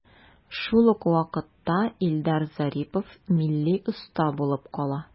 Шул ук вакытта Илдар Зарипов милли оста булып кала.